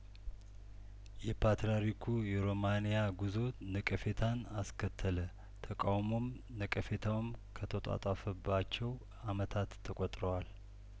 የፓትርያርኩ የሮማን ያጉዞ ነቀፌታን አስከተለ ተቃውሞውም ነቀፌታውም ከተጧጧፈባቸው አመታት ተቆጥረዋል